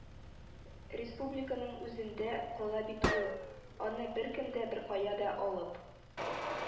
Республиканың үзендә кала бит ул, аны беркем дә беркая да алып